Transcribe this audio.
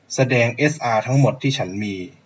แสดงเอสอาทั้งหมดที่ฉันมี